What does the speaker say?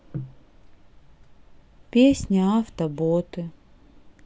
песня автоботы